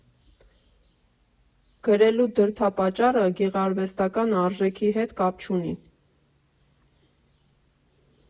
Գրելու դրդապատճառը գեղարվեստական արժեքի հետ կապ չունի։